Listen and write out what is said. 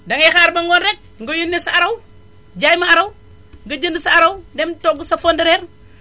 dangay xaar ba ngoon rekk nga yónnee sa araw jaay ma araw nga jënd sa araw dem togg sa fonde reer